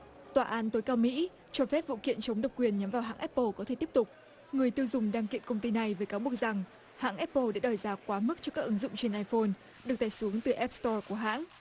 tòa án tối cao mỹ cho phép vụ kiện chống độc quyền nhắm vào hãng ép bồ có thể tiếp tục người tiêu dùng đang kiện công ty này với cáo buộc rằng hãng ép bồ để đòi giá quá mức cho các ứng dụng trên ai phôn được tải xuống từ ép sờ to của hãng